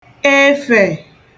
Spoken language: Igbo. efè